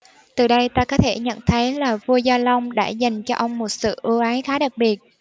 từ đây ta có thể nhận thấy là vua gia long đã dành cho ông một sự ưu ái khá đặc biệt